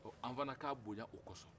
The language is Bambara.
ɔ an fɛnɛ k'a bonya o kɔsɔn